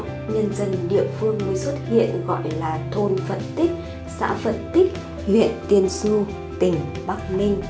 nhân dân địa phương mới xuất hiện gọi là thôn phật tích xã phật tích huyện tiên du tỉnh bắc ninh